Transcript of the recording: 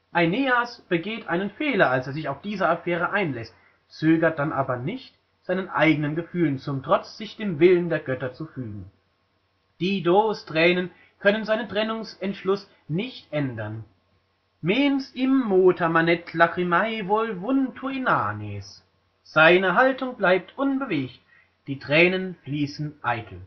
Aeneas begeht einen Fehler, als er sich auf die Affäre einlässt, zögert dann aber nicht, seinen eigenen Gefühlen zum Trotz, sich dem Willen der Götter zu fügen. Didos Tränen können seinen Trennungsentschluss nicht ändern: mens immota manet, lacrimae volvuntur inanes. („ Seine Haltung bleibt unbewegt, die Tränen fließen eitel